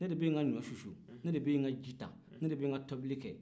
ne de bɛ n ka ɲɔ susu ne de bɛ n ka ji ne de bɛ n ka tobili kɛ